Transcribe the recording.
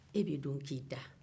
e bɛ don k'i da